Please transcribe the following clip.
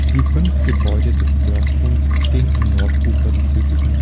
Die fünf Gebäude des Dörfchens stehen am Nordufer des südlichen